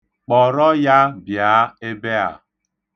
Kpọrọ ya bịa ebe a.